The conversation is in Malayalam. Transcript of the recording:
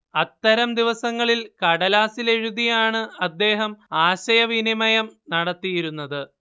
അത്തരം ദിവസങ്ങളിൽ കടലാസിൽ എഴുതിയാണ് അദ്ദേഹം ആശയവിനിമയം നടത്തിയിരുന്നത്